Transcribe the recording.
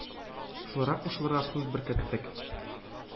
Шуларга кушылырга сүз беркеттек,